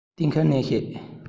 གཏན འཁེལ ནས བཤད